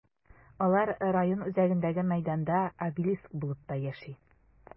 Алар район үзәгендәге мәйданда обелиск булып та яши.